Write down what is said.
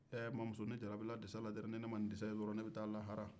ɛ ma musonin jarabira disa la dɛrɛ ni ne ma nin disa in sɔrɔ ne bɛ taa lahara